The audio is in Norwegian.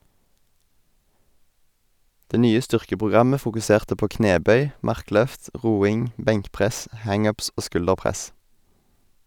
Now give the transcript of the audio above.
Det nye styrkeprogrammet fokuserte på knebøy, markløft, roing, benkpress, hang ups og skulderpress.